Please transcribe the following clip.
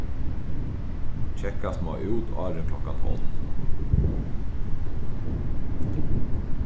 kekkast má út áðrenn klokkan tólv